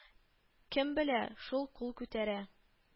Кем белә, шул кул күтәрә